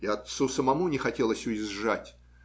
И отцу самому не хотелось уезжать.